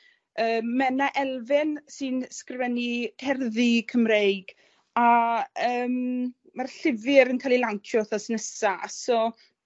yym Menna Elfyn sy'n sgrifennu cerddi Cymreig, a yym ma'r llyfyr yn ca'l ei lawnsio wthnos nesa a so